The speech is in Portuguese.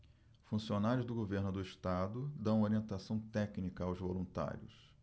funcionários do governo do estado dão orientação técnica aos voluntários